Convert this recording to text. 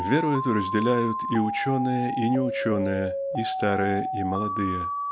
Веру эту разделяют и ученые, и неученые, и старые, и молодые.